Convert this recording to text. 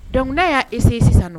Donc na ya essaye sisan nɔ.